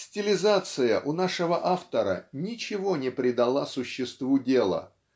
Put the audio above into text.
Стилизация у нашего автора ничего не придала существу дела